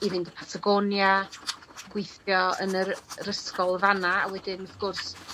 i fynd i Patagonia, yn gwithio yn yr yr ysgol fan 'na a wedyn wth gwrs